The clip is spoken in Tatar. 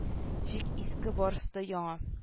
Фиг иске барысы да яңа